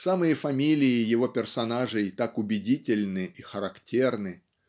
самые фамилии его персонажей так убедительны и характерны